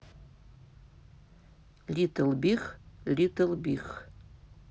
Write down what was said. литтл биг литтл биг